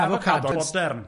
Avocado modern.